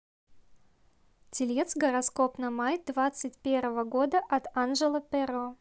телец гороскоп на май двадцать первого года от анжела перро